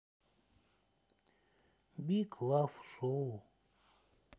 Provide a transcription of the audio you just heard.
биг лав шоу